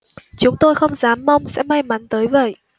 chúng tôi không dám mong sẽ may mắn tới vậy